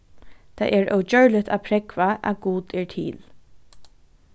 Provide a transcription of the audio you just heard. tað er ógjørligt at prógva at gud er til